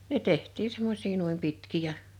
ne tehtiin semmoisia noin pitkiä ja